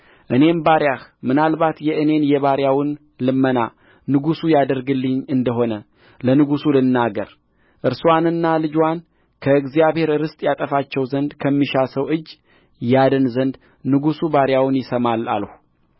እኔም ባሪያህ ምናልባት የእኔን የባሪያውን ልመና ንጉሡ ያደርግልኝ እንደሆነ ለንጉሡ ልናገር እርስዋንና ልጅዋን ከእግዚአብሔር ርስት ያጠፋቸው ዘንድ ከሚሻ ሰው እጅ ያድን ዘንድ ንጉሡ ባሪያውን ይሰማል አልሁ